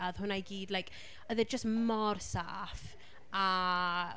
A oedd hwnna i gyd, like. Oedd e jyst mor saff, a…